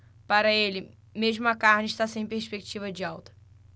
para ele mesmo a carne está sem perspectiva de alta